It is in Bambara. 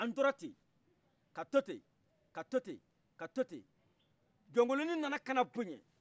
an toraten ka to ten ka to ten ka to ten jɔnkolini nana kana boyan